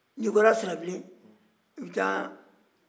n'i bɔra sirabilen i bɛ taa